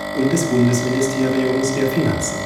und des Bundesministeriums der Finanzen